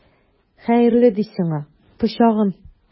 Хәерле ди сиңа, пычагым!